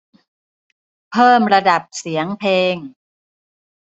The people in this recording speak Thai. เพิ่มระดับเสียงเพลง